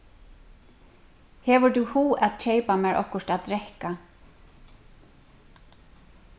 hevur tú hug at keypa mær okkurt at drekka